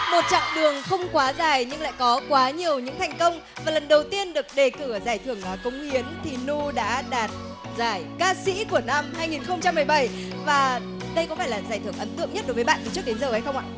một chặng đường không quá dài nhưng lại có quá nhiều những thành công và lần đầu tiên được đề cử ở giải thưởng cống hiến thì nu đã đạt giải ca sĩ của năm hai nghìn không trăm mười bảy và đây có phải là giải thưởng ấn tượng nhất đối với bạn từ trước đến giờ hay không ạ